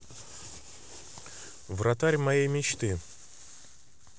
вратарь моей мечты